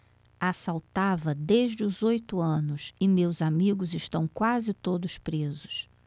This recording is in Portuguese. assaltava desde os oito anos e meus amigos estão quase todos presos